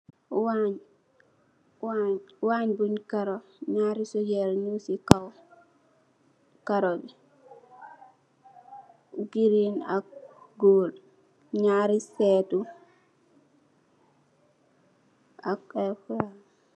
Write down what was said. Waañ buñ karu, ñaari sujeer ñung ci kaw karu bi werta ak góól.